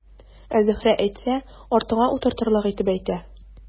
Ә Зөһрә әйтсә, артыңа утыртырлык итеп әйтә.